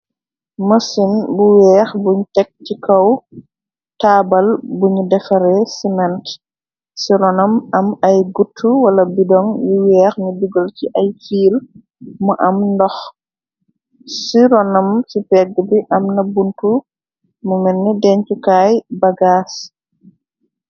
Masin bu weex buñ tegg ci kaw taabal. Buñu defare ciment, ci ronam am ay gut wala bidon yu weex yu dugal ci ay fiir mu am ndox. Ci ronam ci pegg bi am na buntu mu menne dencukaay bagaas.